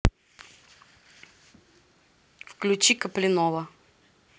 включи коплинова